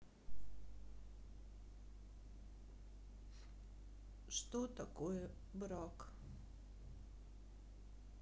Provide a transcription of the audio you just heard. что такое брак